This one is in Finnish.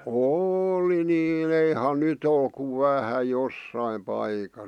oli niin eihän nyt ole kuin vähän jossakin paikassa